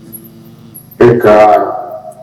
E ka